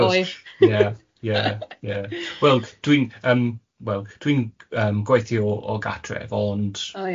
oer... Ia ia ia wel dwi'n yym wel dwi'n yym gweithio o o gartref ond o... Ia.